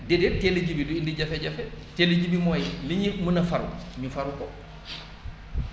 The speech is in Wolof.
déedéet teel a ji bi du indi jafe-jafe teel a ji bi mooy li ñuy mën a faru ñu faru ko